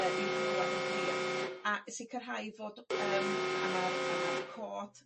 yrr i'w glywad yn glir. A sicrhau fod yrm ma' a ma'r a ma'r cod